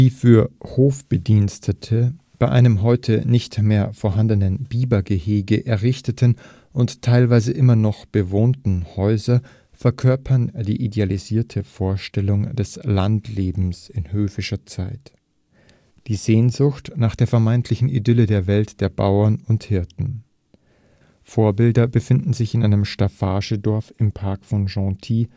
für Hofbedienstete bei einem heute nicht mehr vorhandenen Bibergehege errichteten und teilweise immer noch bewohnten Häuser verkörpern die idealisierte Vorstellung des Landlebens in höfischer Zeit – die Sehnsucht nach der vermeintlichen Idylle der Welt der Bauern und Hirten. Vorbilder befinden sich in einem Staffagedorf im Park von Chantilly